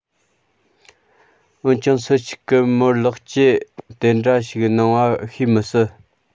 འོན ཀྱང སུ ཞིག གིས མོར ལེགས སྐྱེས དེ འདྲ ཞིག གནང བ ཤེས མི སྲིད